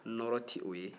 nɔɔrɔ tɛ o ye